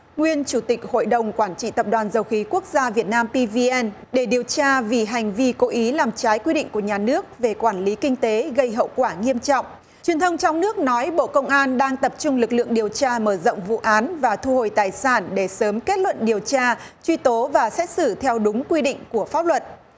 nguyên chủ tịch hội đồng quản trị tập đoàn dầu khí quốc gia việt nam pi vi en để điều tra vì hành vi cố ý làm trái quy định của nhà nước về quản lý kinh tế gây hậu quả nghiêm trọng truyền thông trong nước nói bộ công an đang tập trung lực lượng điều tra mở rộng vụ án và thu hồi tài sản để sớm kết luận điều tra truy tố và xét xử theo đúng quy định của pháp luật